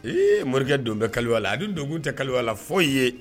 Ee morikɛ don bɛ kaliya a bɛ donkun tɛ kaliya la foyi ye